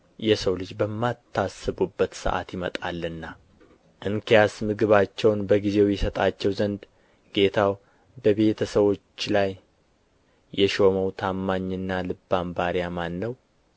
የሰው ልጅ በማታስቡበት ሰዓት ይመጣልና እንኪያስ ምግባቸውን በጊዜው ይሰጣቸው ዘንድ ጌታው በቤተ ሰዎች ላይ የሾመው ታማኝና ልባም ባሪያ ማን ነው